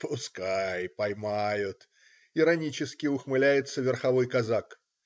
"Пускай поймают",- иронически ухмыляется верховой казак.